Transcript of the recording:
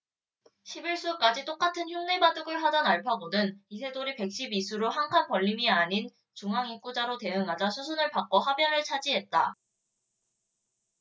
십 일 수까지 똑같은 흉내바둑을 하던 알파고는 이세돌이 백 십 이 수로 한 칸 벌림이 아닌 중앙 입구 자로 대응하자 수순을 바꿔 하변을 차지했다